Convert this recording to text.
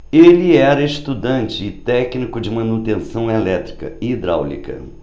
ele era estudante e técnico de manutenção elétrica e hidráulica